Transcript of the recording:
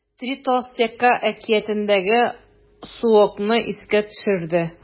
“три толстяка” әкиятендәге суокны искә төшерде.